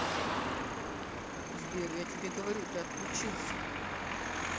сбер я тебе говорю ты отключился